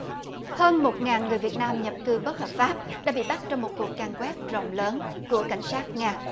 hơn một ngàn người việt nam nhập cư bất hợp pháp đã bị bắt trong một cuộc càn quét rộng lớn của cảnh sát nga